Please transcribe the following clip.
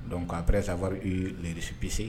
Don'pere sasari yirisipse